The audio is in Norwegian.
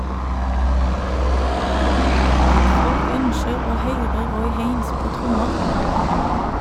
- At folk ønskjer å høyre Roy Haynes på trommer.